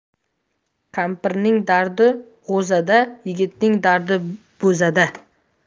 kampirning dardi g'o'zada yigitning dardi bo'zada